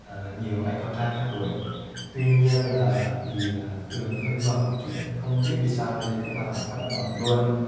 nhiều anh con trai theo đuổi tuy nhiên vì tướng hơi mập không biết vì sao lên cấp phát là mập luôn